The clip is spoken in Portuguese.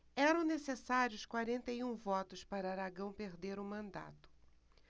eram necessários quarenta e um votos para aragão perder o mandato